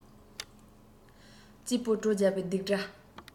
སྐྱིད པོའི བྲོ རྒྱག པའི རྡིག སྒྲ